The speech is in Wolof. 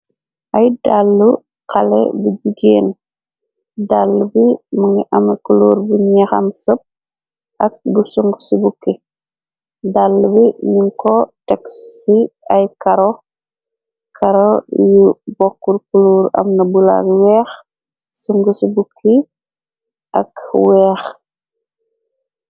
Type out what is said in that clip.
Ay dàlla xale bu jigéen dalla bi mëngi amna kuluur bu neexam sepp ak bu sung ci bukki dall bi nin ko teg ci ay karo karo yu bokkul kuluur am na bulaal weex sungu ci bukki ak weex.